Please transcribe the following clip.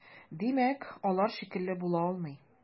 Димәк, алар шикле була алмый.